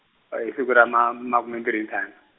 oh, hi siku ra ma- makume mbirhi ntlhanu.